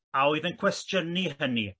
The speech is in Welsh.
a oedd yn cwestiynu hynny